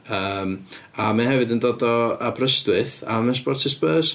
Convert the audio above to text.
Yym a mae o hefyd yn dod o Aberystwyth a mae o'n supportio Spurs.